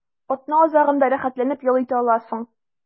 Атна азагында рәхәтләнеп ял итә аласың.